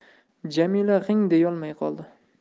jamila g'ing deyolmay qoldi